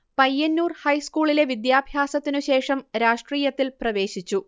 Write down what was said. പയ്യന്നൂർ ഹൈസ്കൂളിലെ വിദ്യാഭ്യാസത്തിനു ശേഷം രാഷ്ട്രീയത്തിൽ പ്രവേശിച്ചു